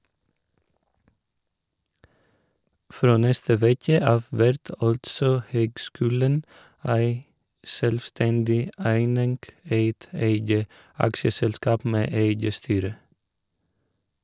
Frå neste veke av vert altså høgskulen ei sjølvstendig eining, eit eige aksjeselskap med eige styre.